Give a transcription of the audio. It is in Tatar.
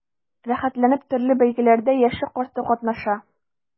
Рәхәтләнеп төрле бәйгеләрдә яше-карты катнаша.